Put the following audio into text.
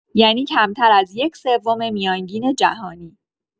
یعنی کمتر از یک‌سوم میانگین جهانی